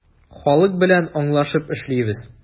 Халык белән аңлашып эшлибез.